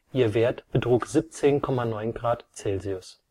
ihr Wert betrug 17,9 °C